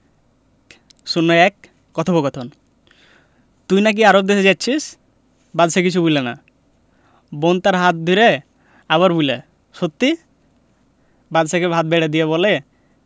০১ কথোপকথন তুই নাকি আরব দেশে যাচ্ছিস বাদশা কিছু বলে না বোন তার হাত ধরে আবার বলে সত্যি বাদশাকে ভাত বেড়ে দিয়ে বলে